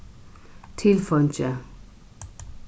tilfeingi